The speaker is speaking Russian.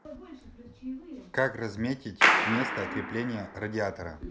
как разметить место крепления радиатора